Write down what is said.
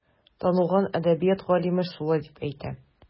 Танылган әдәбият галиме шулай дип әйтә.